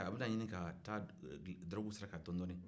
a bɛna ɲini ka taa dɔrɔgu sira kan dɔɔnin-dɔɔnin